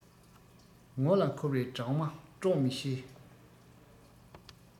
ངོ ལ འཁོར བའི སྦྲང མ དཀྲོག མི ཤེས